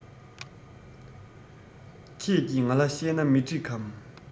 ཁྱེད ཀྱི ང ལ གཤད ན མི གྲིག གམ